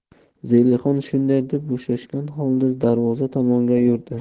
zelixon shunday deb bo'shashgan holda darvoza tomon yurdi